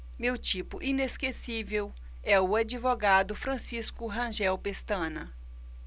meu tipo inesquecível é o advogado francisco rangel pestana